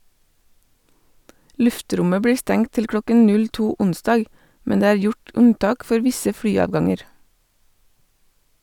Luftrommet blir stengt til kl. 02 onsdag, men det er gjort unntak for visse flyavganger.